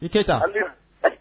I tɛ taa